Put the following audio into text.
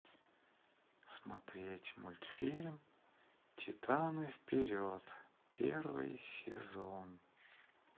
смотреть мультфильм титаны вперед первый сезон